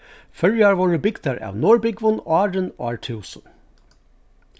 føroyar vórðu bygdar av norðbúgvum áðrenn ár túsund